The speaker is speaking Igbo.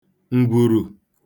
ǹgwùrù